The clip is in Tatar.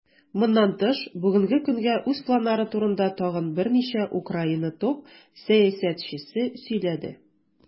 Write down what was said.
Моннан тыш, бүгенге көнгә үз планнары турында тагын берничә Украина топ-сәясәтчесе сөйләде.